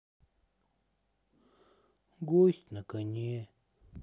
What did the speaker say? гость на коне